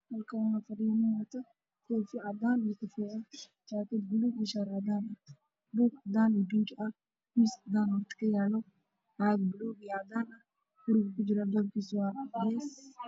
Halkaan waxaa fadhiyo nin wato koofi cadaan iyo jaakad buluug ah, shaati cadaan ah, buug cadaan iyo bingi ah, miis cadaan agyaalo, caag buluug iyo cadaan ah.